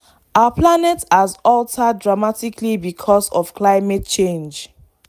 Our planet has altered dramatically because of climate change.”